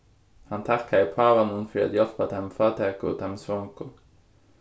hann takkaði pávanum fyri at hjálpa teimum fátæku og teimum svongu